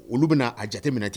Olu bɛna a jateminɛ ten.